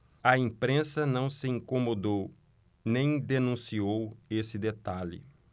a imprensa não se incomodou nem denunciou esse detalhe